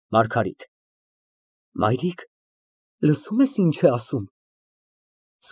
ՄԱՐԳԱՐԻՏ ֊ Մայրիկ լսո՞ւմ ես ինչ է ասում։